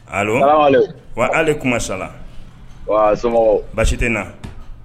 Wa ale kuma sala baasi tɛɛna